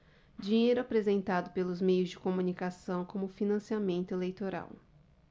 dinheiro apresentado pelos meios de comunicação como financiamento eleitoral